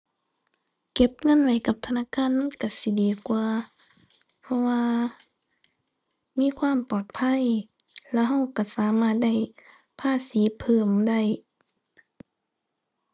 เก็บเงินไว้กับธนาคารมันก็สิดีกว่า เพราะว่ามีความปลอดภัย แล้วก็ก็สามารถได้ภาษีเพิ่มได้